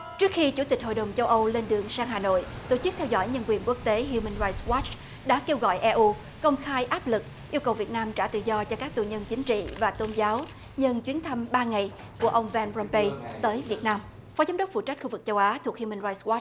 trước khi chủ tịch hội đồng châu âu lên đường sang hà nội tổ chức theo dõi nhân quyền quốc tế hiu mưn roai goắt đã kêu gọi e u công khai áp lực yêu cầu việt nam trả tự do cho các tù nhân chính trị và tôn giáo nhân chuyến thăm ba ngày của ông ven bờ rôm pây tới việt nam phó giám đốc phụ trách khu vực châu á thuộc hiu mưn roai goắt